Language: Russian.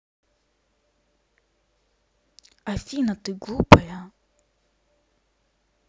афина ты глупая